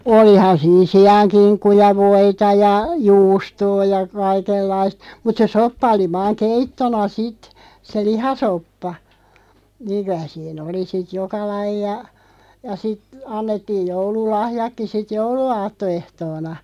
olihan siinä siankinkku ja voita ja juustoa ja kaikenlaista mutta se soppa oli vain keittona sitten se lihasoppa niin kyllä siinä oli sitten joka lajia ja sitten annettiin joululahjatkin sitten jouluaattoehtoona